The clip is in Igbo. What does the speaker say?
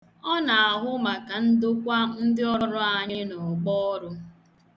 Ọ na-ahụ maka ndokwa ndịọrụ anyị n'ọgbọọrụ.